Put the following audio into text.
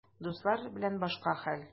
Дуслар белән башка хәл.